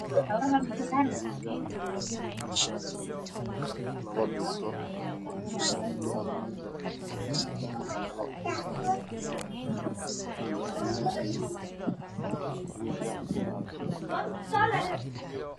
Meeshaan waxaa yaalo khamiis kalarka khamiiskiisa uu yahay qaxwi